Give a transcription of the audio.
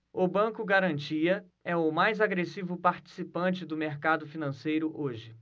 o banco garantia é o mais agressivo participante do mercado financeiro hoje